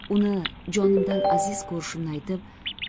uni jonimdan aziz ko'rishimni aytib